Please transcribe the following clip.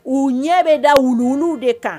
U ɲɛ bɛ da wulluw de kan